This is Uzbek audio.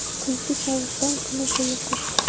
kuzgi sovuqdan kun bo'yi qoch